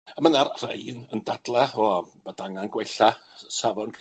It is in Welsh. A ma' 'na rhai'n yn dadla, o bod angan gwella safon